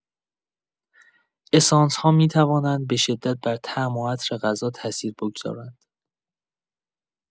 اسانس‌ها می‌توانند به‌شدت بر طعم و عطر غذا تاثیر بگذارند.